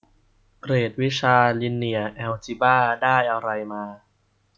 เกรดวิชาลิเนียร์แอลจิบ้าได้อะไรมา